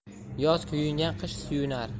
yoz kuyungan qish suyunar